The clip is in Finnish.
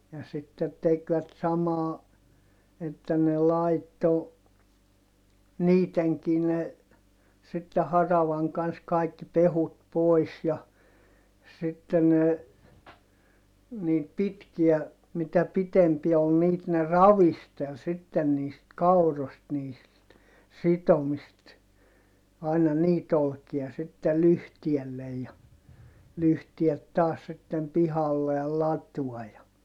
ja sitten tekivät samaa että ne laittoi niidenkin ne sitten haravan kanssa kaikki pehkut pois ja sitten ne niitä pitkiä mitä pitempiä oli niitä ne ravisteli sitten niistä kauroista niistä sitomista aina niitä olkia sitten lyhteelle ja lyhteet taas sitten pihalle ja latoon ja